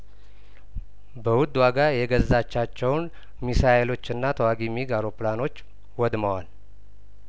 በውድ ዋጋ የገዛቻቸውን ሚሳይሎችና ተዋጊ ሚግ አውሮፕላኖች ወድመዋል